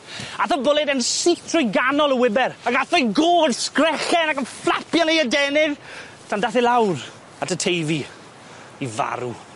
Ath y bwled yn syth trwy ganol y wiber ag ath o'i god sgrechen ac yn fflapian eu adenydd tan dath e lawr at y Teifi i farw.